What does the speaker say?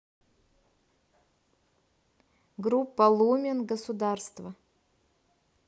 группа lumen государство